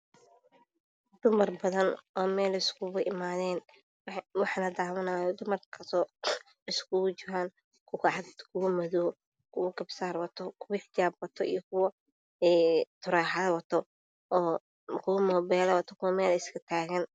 Dumar badan meel iskugu imaadeen daawanayo dumarkasoo iskugu jiro kuwa cad kuwa madow iyo kuwa sarba saar wadto kuwa xijaab wadto iyo kuwa talaaxad wadto kuwa mobel wadto iyo kuwa meel iska taagan